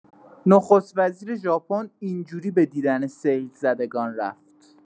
نخست‌وزیر ژاپن این جوری به دیدن سیل‌زدگان رفت؛